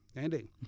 yaa ngi dégg